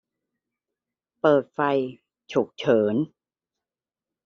เปิดไฟฉุกเฉิน